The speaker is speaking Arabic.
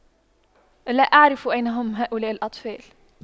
لا أعرف أين هم هؤلاء الأطفال